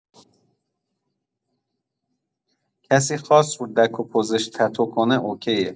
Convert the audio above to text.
کسی خواست رو دک و پوزش تتو کنه اوکیه.